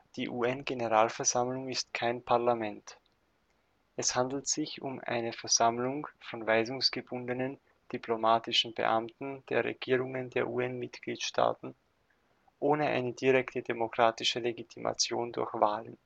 Die UN-Generalversammlung ist kein Parlament. Es handelt sich um eine Versammlung von weisungsgebundenen, diplomatischen Beamten der Regierungen der UN-Mitgliedstaaten ohne eine direkte demokratische Legitimation durch Wahlen